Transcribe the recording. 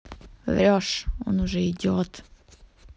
врешь он уже идет